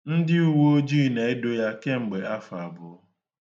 Ndị uwoojii na-edo ya kemgbe afọ abụọ.